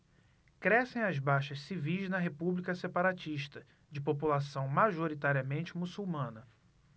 crescem as baixas civis na república separatista de população majoritariamente muçulmana